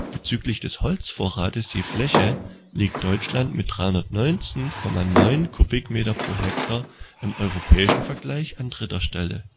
Bezüglich des Holzvorrates je Fläche liegt Deutschland mit 319,9 m³/ha im europäischen Vergleich an dritter Stelle